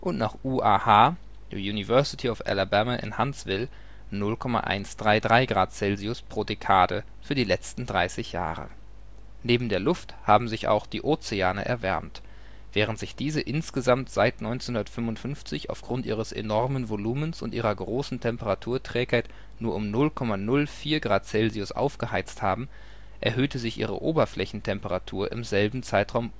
nach UAH (University of Alabama in Huntsville) 0,133 °C pro Dekade für die letzten 30 Jahre. Neben der Luft haben sich auch die Ozeane erwärmt. Während sich diese insgesamt seit 1955 aufgrund ihres enormen Volumens und ihrer großen Temperaturträgheit nur um 0,04 °C aufgeheizt haben, erhöhte sich ihre Oberflächentemperatur im selben Zeitraum